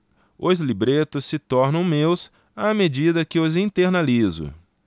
os libretos se tornam meus à medida que os internalizo